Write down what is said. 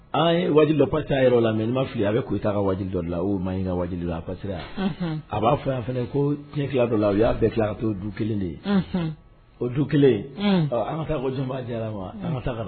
Wajibi caya yɛrɛ la mɛ n maa fili a bɛ ko iyita ka walijibi dɔ la ma ka wajibi la a b'a fɔ yan fana ko tiɲɛ fila dɔ la u y'a bɛɛ tila ka to du kelen de ye o du kelen an ka taa jɔn diyarayara ma an ka taa